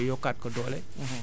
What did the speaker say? wala ba yokkaat ko doole